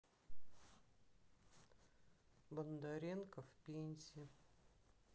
бондаренков в пензе